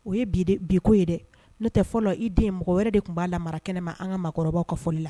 O ye bi biko ye dɛ n'o tɛ fɔlɔ i den mɔgɔ wɛrɛ de tun b'a la mara kɛnɛ ma an ka maakɔrɔba ka foli la